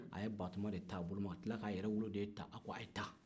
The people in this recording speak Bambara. a ye batoma de t'a boloma ka tila ka yɛrɛ woloden ta a ko a ye taa